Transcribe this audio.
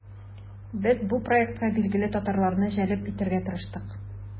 Без бу проектка билгеле татарларны җәлеп итәргә тырыштык.